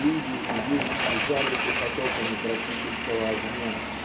люди и вещи залиты потоками тропического огня